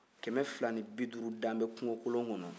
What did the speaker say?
kɛmɛ fila ni bi duuru dalen bɛ kungo kolon kɔnɔ